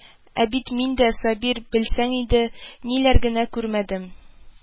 Ә бит мин дә, Сабир, белсәң иде, ниләр генә күрмәдем